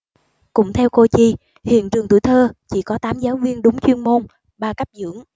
cũng theo cô chi hiện trường tuổi thơ chỉ có tám giáo viên đúng chuyên môn ba cấp dưỡng